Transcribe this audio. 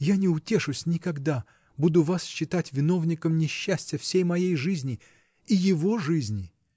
Я не утешусь никогда, буду вас считать виновником несчастья всей моей жизни. и его жизни!